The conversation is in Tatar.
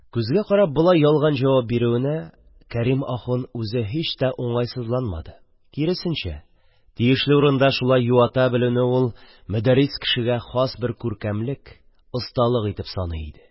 Күзгә карап болай ялган җавап бирүенә Кәрим ахун үзе һич тә уңайсызланмады; киресенчә, тиешле урында шулай юата белүне ул мөдәррис кешегә хас бер күркәмлек, осталык итеп саный иде.